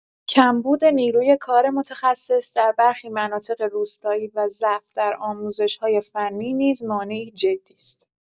کمبود نیروی کار متخصص در برخی مناطق روستایی و ضعف در آموزش‌های فنی نیز مانعی جدی است.